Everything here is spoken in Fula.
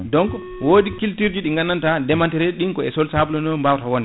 donc wodi culti* ji ɗi gandanta deemanterihe ɗin koye sol sableux bawata wonde